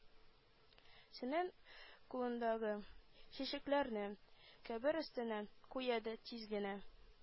Сенең кулындагы чәчәкләрне кабер өстенә куя да тиз генә